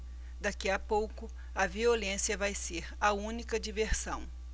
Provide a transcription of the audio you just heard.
daqui a pouco a violência vai ser a única diversão